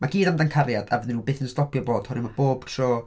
Mae o i gyd amdan cariad, a byddan nhw byth yn stopio bod, oherwydd mae bob tro...